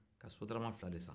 ka sotarama fila de san